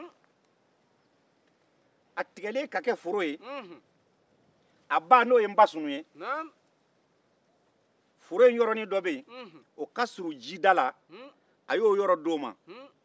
a tigɛlen ka kɛ foro ye foro yɔrɔnin dɔ bɛ yen min ka surun jida la a y'o di a ba npasun ma